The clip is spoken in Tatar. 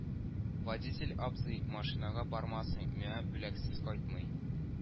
Водитель абзый машинага бармасын, миңа бүләксез кайтмый